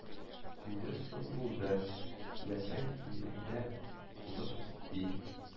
– инде соң булды, теләсәң миндә кунып кит, – ди